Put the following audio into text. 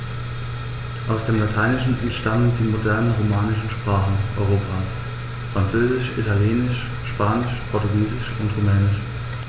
Aus dem Lateinischen entstanden die modernen „romanischen“ Sprachen Europas: Französisch, Italienisch, Spanisch, Portugiesisch und Rumänisch.